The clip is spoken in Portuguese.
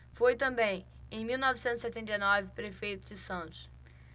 foi também em mil novecentos e setenta e nove prefeito de santos